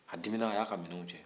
a diminna a y'a ka minɛnw cɛ